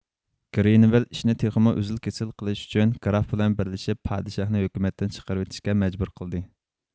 گرېنۋىل ئىشنى تېخمۇ ئۈزۈل كېسىل قىلىش ئۈچۈن گراف بىلەن بىرلىشىپ پادىشاھنى ھۆكۈمەتتىن چىقىرىۋېتىشكە مەجبۇر قىلدى